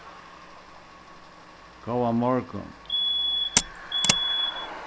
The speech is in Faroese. góðan morgun